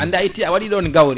hande a itti a waɗiɗon gawri